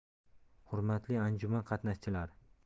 hurmatli anjuman qatnashchilari